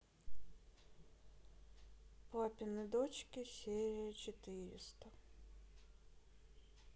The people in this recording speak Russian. папины дочки серия четыреста